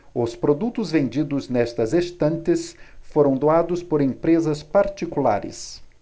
os produtos vendidos nestas estantes foram doados por empresas particulares